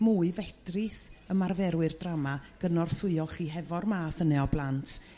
mwy fedrith ymarferwyr drama gynorthwyo chi hefo'r math yne o blant